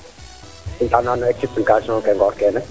content nam no explication ke ngoor keene